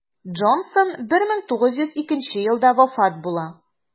Джонсон 1902 елда вафат була.